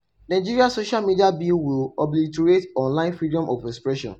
Nigeria's social media bill will obliterate online freedom of expression